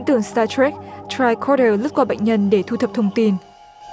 tưởng sa trét đều nức qua bệnh nhân để thu thập thông tin